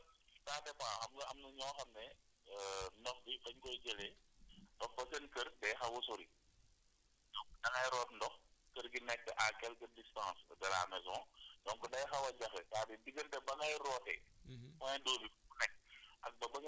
waaw waaw parce que ça dépend xam nga am na ñoo xam ne ndox bi fañ koy jëlee dox ba seen kër day xaw a sori ñoom da ngay root ndox kër gi nekk à quelques distances de la maison donc day xaw a jafe c' est à dire diggante ba ngay rootee